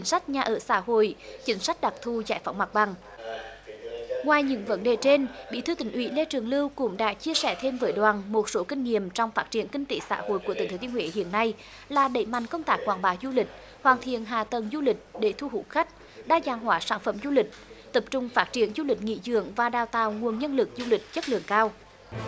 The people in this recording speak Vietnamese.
sách nhà ở xã hội chính sách đặc thù giải phóng mặt bằng ngoài những vấn đề trên bí thư tỉnh ủy lê trường lưu cũng đã chia sẻ thêm với đoàn một số kinh nghiệm trong phát triển kinh tế xã hội của tỉnh thừa thiên huế hiện nay là đẩy mạnh công tác quảng bá du lịch hoàn thiện hạ tầng du lịch để thu hút khách đa dạng hóa sản phẩm du lịch tập trung phát triển du lịch nghỉ dưỡng và đào tạo nguồn nhân lực du lịch chất lượng cao